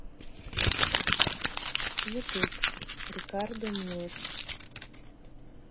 ютуб рикардо милос